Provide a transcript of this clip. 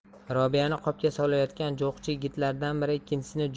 robiyani qopga solayotgan jo'qchi yigitlardan biri ikkinchisini